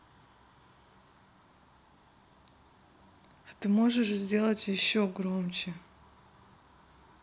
а ты можешь сделать еще громче